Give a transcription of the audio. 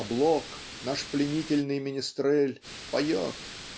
А Блок, наш пленительный менестрель, - поет.